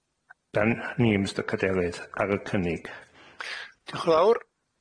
'Dan ni Mistyr Cadeirydd, ar y cynnig... Diolch yn fawr.